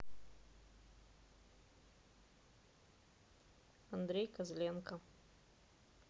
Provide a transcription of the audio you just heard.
андрей козленко